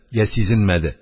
Йә сизенмәде.